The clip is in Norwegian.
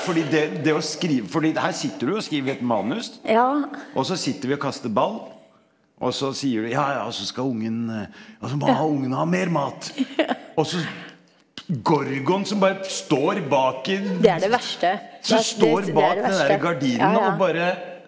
fordi det det å skrive fordi det her sitter du og skriver et manus, og så sitter vi og kaster ball, og så sier du, ja ja og så skal ungen og så må ha ungen ha mer mat også Gorgon som bare står bak i som står bak den derre gardinen og bare.